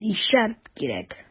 Ричард китә.